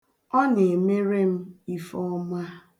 Ọ na-emere m ifeọma.